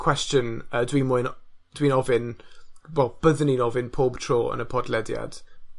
cwestiwn yy dwi moyn o- dwi'n ofyn bo- byddwn i'n ofyn pob tro yn y podlediad.